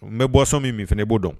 N bɛ boisson min fana i b'o dɔn.